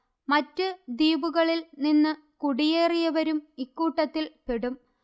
മറ്റ് ദ്വീപുകളിൽ നിന്ന് കുടിയേറിയവരും ഇക്കൂട്ടത്തിൽ പെടും